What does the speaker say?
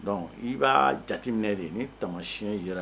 Dɔn i b'a jate minɛ de ye ni tama siɲɛ yɛrɛ